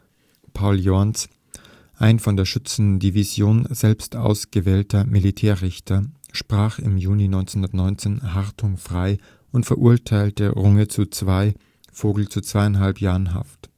Paul Jorns, ein von der Schützendivision selbst ausgewählter Militärrichter, sprach im Juni 1919 Harttung frei und verurteilte Runge zu zwei, Vogel zu zweieinhalb Jahren Haft